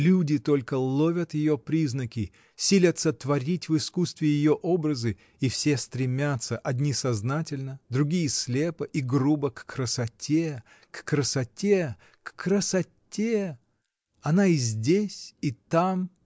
Люди только ловят ее признаки, силятся творить в искусстве ее образы, и все стремятся, одни сознательно, другие слепо и грубо, к красоте, к красоте. к красоте! Она и здесь — и там!